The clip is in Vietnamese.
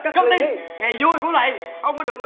cất cúp đi ngày dui của thầy hông có được là